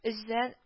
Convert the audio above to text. Өзән